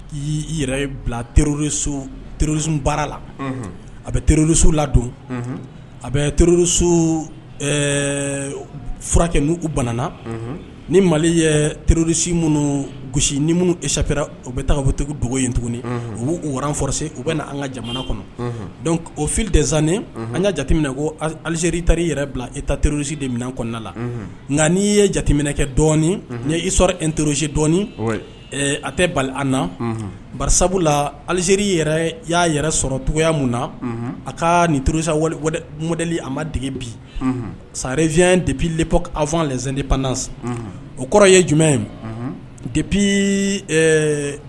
Yɛrɛ bilarorobara la a bɛ terirosu ladon a bɛ terirosu furakɛ banaana ni mali ye terosi minnu gosisi ni minnu sapra u bɛ taa fɔ dugu tuguni u b'u u bɛ an ka jamana kɔnɔ o filidsannen an ka jate ko alizeri ta i yɛrɛ bila i ta terirrourusi de kɔnɔna la nka n'i ye jateminɛ kɛ dɔɔnini n' sɔrɔ e terirosi dɔi a tɛ bali an na barasa la alizeri yɛrɛ i y'a yɛrɛ sɔrɔ cogoyaya min na a ka ninro mdli a ma dege bi sarefiyɛn dep p awfa zdi panansan o kɔrɔ ye jumɛn ye dep